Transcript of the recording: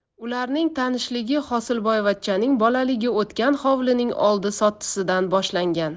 ularning tanishligi hosilboyvachchaning bolaligi o'tgan hovlining oldi sottisidan boshlangan